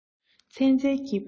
ཚན རྩལ གྱི བོད སྐྱོར